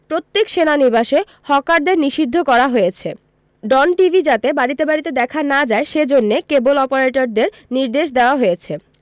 প্রত্যেক সেনানিবাসে হকারদের নিষিদ্ধ করা হয়েছে ডন টিভি যাতে বাড়িতে বাড়িতে দেখা না যায় সেজন্যে কেবল অপারেটরদের নির্দেশ দেওয়া হয়েছে